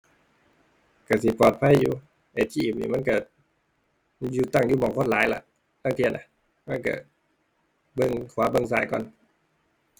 ก็สิปลอดภัยอยู่ ATM นี่มันก็ อยู่ตั้งที่หม้องคนหลายล่ะ ลางเทื่อน่ะ มันก็เบิ่งขวาเบิ่งซ้ายก่อน